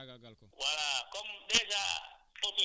boobu tam defoon ngeen si effort pour loolu ñu faagaagal ko